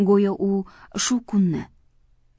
go'yo u shu kunni